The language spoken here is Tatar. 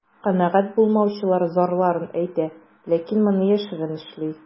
Канәгать булмаучылар зарларын әйтә, ләкин моны яшерен эшли.